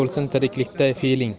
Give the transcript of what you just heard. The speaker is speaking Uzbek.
bo'lsin tiriklikda fe'ling